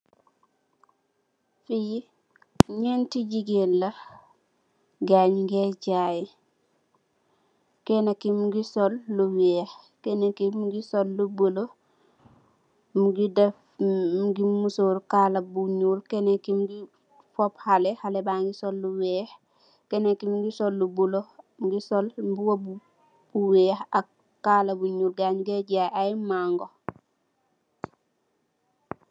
Fee nyante jegain la gaye nuge jaye kenake muge sol lu weex kenake muge sol lu bulo muge def muge musuru kala bu nuul kenake muge fobb haleh haleh bage sol lu weex kenake muge sol lu bulo muge sol muba bu weex ak kala bu nuul gaye nuge jaye aye magou.